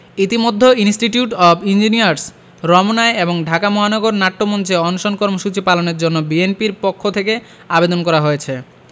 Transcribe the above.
ইতোমধ্যে institute of engineers রমনায় এবং ঢাকা মহানগর নাট্যমঞ্চে অনশন কর্মসূচি পালনের জন্য বিএনপির পক্ষ থেকে আবেদন করা হয়েছে